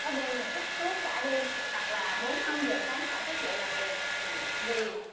có đêm là thức suốt cả đêm hoặc là bốn năm giờ sáng phải thức dậy làm việc vì